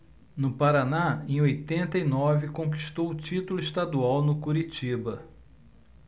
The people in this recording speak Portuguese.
no paraná em oitenta e nove conquistou o título estadual no curitiba